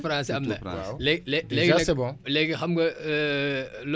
léegi xam nga loo gis rek processus boo xam ne day day day door